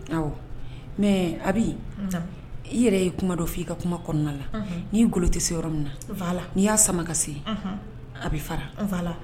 Ɔ mais Abi ,naamu, i yɛrɛ ye kuma dɔ fɔ i ka kuma kɔnɔna la, n'i golo tɛ se yɔrɔ min na, voila n'i y'a sama ka se yen, ɔnhɔn, a bɛ fara